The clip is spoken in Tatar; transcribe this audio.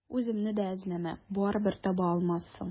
Үземне дә эзләмә, барыбер таба алмассың.